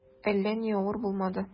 Әллә ни авыр булмады.